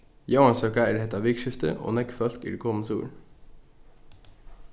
jóansøka er hetta vikuskiftið og nógv fólk er komið suður